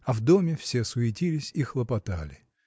а в доме все суетились и хлопотали.